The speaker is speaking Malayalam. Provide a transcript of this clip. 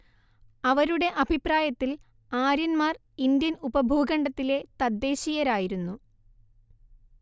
അവരുടെ അഭിപ്രായത്തിൽ ആര്യന്മാർ ഇന്ത്യൻ ഉപഭൂഖണ്ഡത്തിലെ തദ്ദേശീയരായിരുന്നു